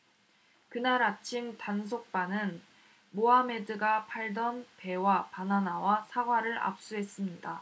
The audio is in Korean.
그날 아침 단속반은 모하메드가 팔던 배와 바나나와 사과를 압수했습니다